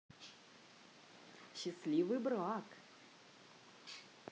счастливый брак